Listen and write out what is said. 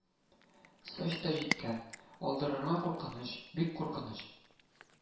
Сач та җиткән, алдырырга куркыныч, бик куркыныч: